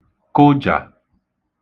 kụjà